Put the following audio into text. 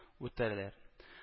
Үтәләр